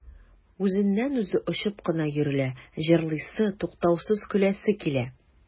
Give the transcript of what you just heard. Үзеннән-үзе очып кына йөрелә, җырлыйсы, туктаусыз көләсе килә.